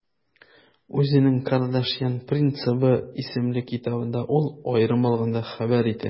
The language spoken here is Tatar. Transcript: Үзенең «Кардашьян принципы» исемле китабында ул, аерым алганда, хәбәр итә: